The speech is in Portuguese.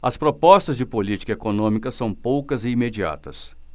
as propostas de política econômica são poucas e imediatas